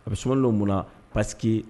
A bɛ so dɔw mun na pa